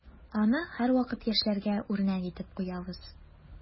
Аны һәрвакыт яшьләргә үрнәк итеп куябыз.